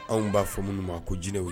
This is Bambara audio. Anw b'a fɔ minnu ma ko jinɛw